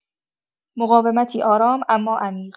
مقاومتی آرام، اما عمیق.